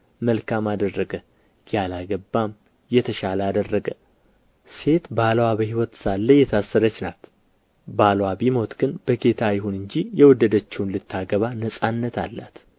መልካም አደረገ ያላገባም የተሻለ አደረገ ሴት ባልዋ በሕይወት ሳለ የታሰረች ናት ባልዋ ቢሞት ግን በጌታ ይሁን እንጂ የወደደችውን ልታገባ ነጻነት አላት